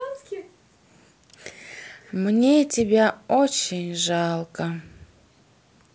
мне тебя очень жалко